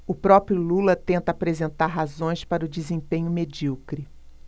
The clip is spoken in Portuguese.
o próprio lula tenta apresentar razões para o desempenho medíocre